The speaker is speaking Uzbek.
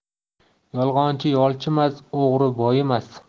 yolg'onchi yolchimas o'g'ri boyimas